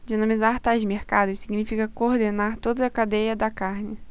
dinamizar tais mercados significa coordenar toda a cadeia da carne